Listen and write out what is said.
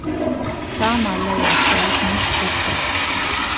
sámal legði afturat nýtt tiltak